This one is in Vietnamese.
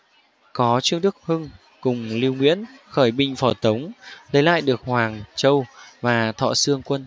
có trương đức hưng cùng lưu nguyên khởi binh phò tống lấy lại được hoàng châu và thọ xương quân